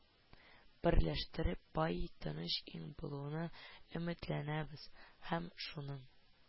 Берләштереп, бай, тыныч ил булуына өметләнәбез, һәм шуның